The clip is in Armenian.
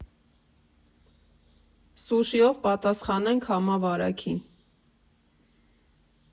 Սուշիո՛վ պատասխանենք համավարակին։